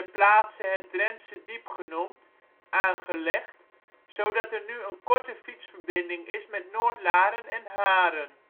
plaatse het Drentsche Diep genoemd, aangelegd, zodat er nu een korte fietsverbinding is met Noordlaren en Haren